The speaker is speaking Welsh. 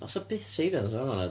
Does 'na byth seirans yn fan'na na?